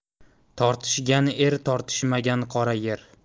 tortishgan er tortishmagan qora yer